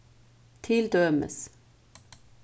til dømis